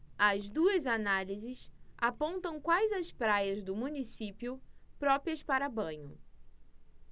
as duas análises apontam quais as praias do município próprias para banho